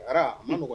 Ara ma